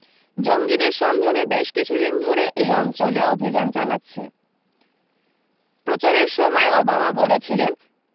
জঙ্গিদের সন্ধানে বেশ কিছুদিন ধরে এই অঞ্চলে অভি্যান চালাচ্ছে প্রচারের সময় ওবামা বলেছিলেন